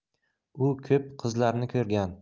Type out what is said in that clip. u ko'p qizlarni ko'rgan